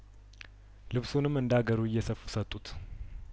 ልብሱንም እንዳ ገሩ እየሰፉ ሰጡት